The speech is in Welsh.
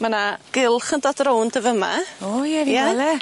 ma' na gylch yn dod rownd y fy ' ma. O ie fi'n wel' e. Ie?